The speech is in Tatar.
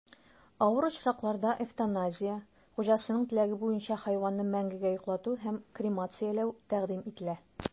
Авыр очракларда эвтаназия (хуҗасының теләге буенча хайванны мәңгегә йоклату һәм кремацияләү) тәкъдим ителә.